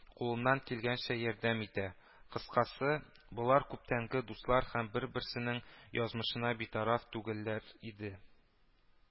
Кулыннан килгәнчә ярдәм итә, кыскасы, болар күптәнге дуслар һәм бер-беренең язмышына битараф түгелләр иде